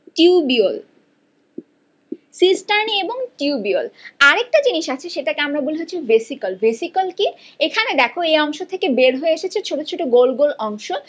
tubule cisternae এবং tubule আরেকটা জিনিস আছে সেটাকে আমরা বলি হচ্ছে ভেসিকল ভেসিকল কি থেকে বের হয়েছে কিছু ছোট ছোট গোল গোল অংশ